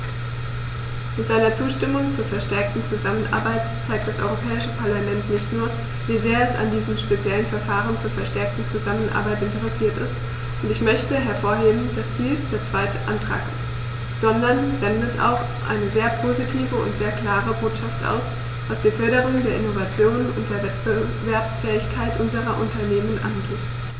Mit seiner Zustimmung zur verstärkten Zusammenarbeit zeigt das Europäische Parlament nicht nur, wie sehr es an diesem speziellen Verfahren zur verstärkten Zusammenarbeit interessiert ist - und ich möchte hervorheben, dass dies der zweite Antrag ist -, sondern sendet auch eine sehr positive und sehr klare Botschaft aus, was die Förderung der Innovation und der Wettbewerbsfähigkeit unserer Unternehmen angeht.